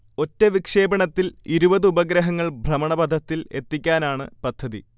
ഒറ്റ വിക്ഷേപണത്തിൽ ഇരുപത് ഉപഗ്രഹങ്ങൾ ഭ്രമണപഥത്തിൽ എത്തിക്കാനാണ് പദ്ധതി